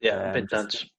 Ia yn bendant.